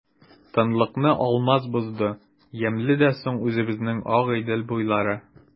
Тынлыкны Алмаз бозды:— Ямьле дә соң үзебезнең Агыйдел буйлары!